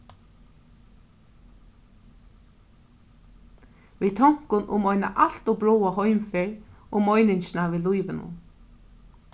við tonkum um eina alt ov bráða heimferð og meiningina við lívinum